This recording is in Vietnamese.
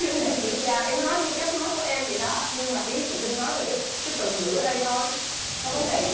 không cần dịu dàng em cứ nói như cách nói của em vậy đó nhưng mà ý chị đương nói về cái cái từ ngữ ở đây thôi có vấn đề gì đâu